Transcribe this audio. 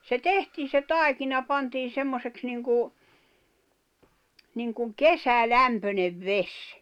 se tehtiin se taikina pantiin semmoiseksi niin kuin niin kuin kesälämpöinen vesi